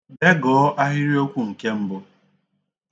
Degọọ ahịrịokwu nke mbụ.